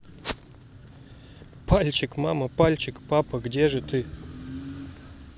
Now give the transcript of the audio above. пальчик мама пальчик папа где же ты